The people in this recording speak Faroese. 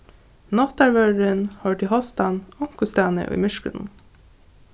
náttarvørðurin hoyrdi hostan onkustaðni í myrkrinum